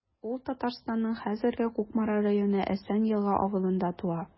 Ул Татарстанның хәзерге Кукмара районы Әсән Елга авылында туа.